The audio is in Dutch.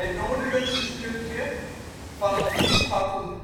noordelijkste stukje, van het fietspad tot